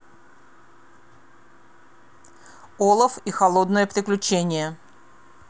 олаф и холодное приключение